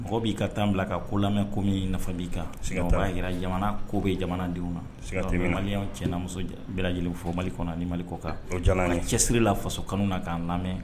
Mɔgɔ bi ka temps bila ka ko lamɛn ko min nafa bi kan . Siga ta la . O ba jira jamana ko bɛ jamana denw na . Siga ta la. Donc malien cɛ na muso bɛɛ lajɛlen fo mali kɔnɔ ani mali kɔ kan . U ka cɛsiri la faso kanu na kan lamɛn